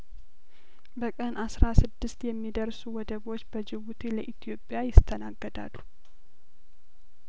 በቀን አስራ ስድስት የሚደርሱ ወደቦች በጅቡቲ ለኢትዮጵያ ይስተናገዳሉ